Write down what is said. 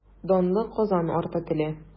Данлы Казан арты теле.